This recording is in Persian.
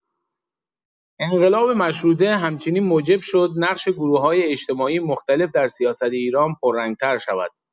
انقلاب مشروطه همچنین موجب شد نقش گروه‌های اجتماعی مختلف در سیاست ایران پررنگ‌تر شود.